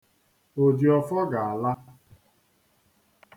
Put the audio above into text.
O ji ọfọ ga-ala.